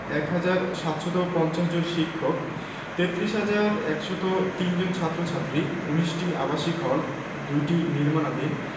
১ হাজার ৭৫০ জন শিক্ষক ৩৩ হাজার ১০৩ জন ছাত্র ছাত্রী ১৯টি আবাসিক হল ২টি নির্মাণাধীন